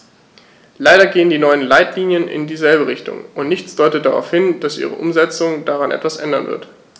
Leider gehen die neuen Leitlinien in dieselbe Richtung, und nichts deutet darauf hin, dass ihre Umsetzung daran etwas ändern wird.